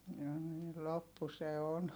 ja niin loppu se on